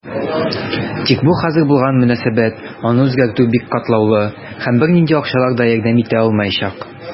Тик бу хәзер булган мөнәсәбәт, аны үзгәртү бик катлаулы, һәм бернинди акчалар да ярдәм итә алмаячак.